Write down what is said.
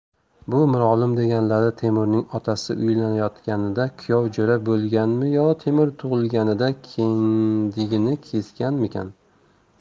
bu mirolim deganlari temurning otasi uylanayotganida kuyov jo'ra bo'lganmi yo temur tug'ilganida kindigini kesganmikin